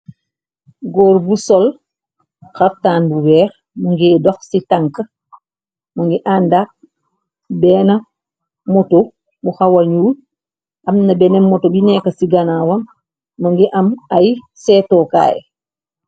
Góor bu sol xartaan bu weex muge dox ci tanka mugi àndak benn moto bu xawañu amna benn moto bi nekk ci ganawam mogi am ay seetookaaye.